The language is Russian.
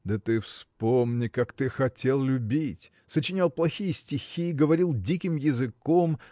– Да ты вспомни, как ты хотел любить сочинял плохие стихи говорил диким языком